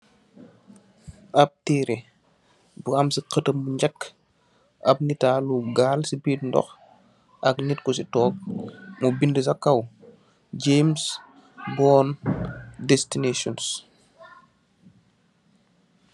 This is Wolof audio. Ab teere bu am si xetam bu njake ab nitalu gaal si beet ndox ag nit kusi toog mu binde sa kaw James Bond Destination